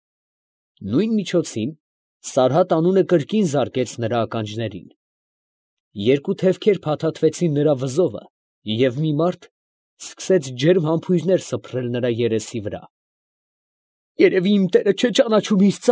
Նույն միջոցին «Սարհատ» անունը կրկին զարկեց նրա ականջներին, երկու թևքեր փաթաթվեցին նրա վզովը, և մի մարդ սկսեց ջերմ համբույրներ սփռել նրա երեսի վրա։ ֊ Երևի իմ տերը չէ ճանաչում իր։